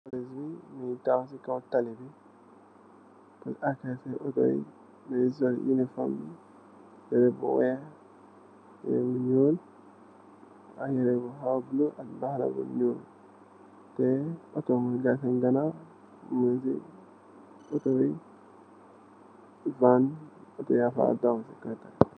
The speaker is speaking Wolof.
Taakh si kaw talibi amna ku takhaw si autor yi mungi sul yereh bu weex yereh bu nyul ak yereh bu khawa buluh ak mbakhana bu buluh ta autor mung sen ganaw van la autor yangfy daw.